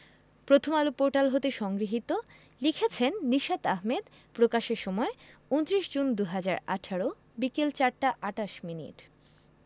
Prothom Alo portal হতে সংগৃহীত লিখেছেন নিশাত আহমেদ প্রকাশের সময় ২৯ জুন ২০১৮ বিকেল ৪টা ২৮ মিনিট